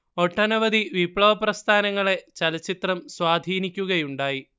ഒട്ടനവധി വിപ്ലവ പ്രസ്ഥാനങ്ങളെ ചലച്ചിത്രം സ്വാധീനിക്കുകയുണ്ടായി